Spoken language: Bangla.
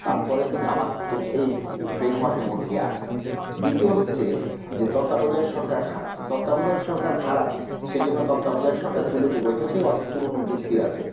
তারপর তো জামাত এই ফ্রেমওয়ার্কের মধ্যেই আছে দ্বিতীয় হচ্ছে তত্ত্বাবধায়ক সরকার খারাপ তত্ত্বাবধায়ক সরকার খারাপ সেজন্য তত্ত্বাবধায়ক সরকার তুলে দিব এটা সেই অনেক পুরনো যুক্তি আছে